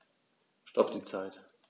Stopp die Zeit